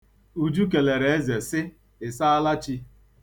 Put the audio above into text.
Uju kelere Eze si, "Isaalachi?"